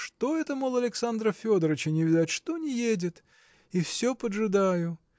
что это, мол, Александра Федорыча не видать, что не едет? и все поджидаю.